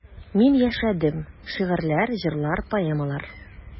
Мин яшәдем: шигырьләр, җырлар, поэмалар.